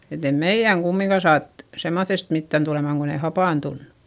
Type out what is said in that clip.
että ei meidän kumminkaan saatu semmoisesta mitään tuleman kun ei hapantunut